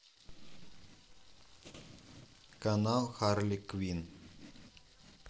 канал харли квин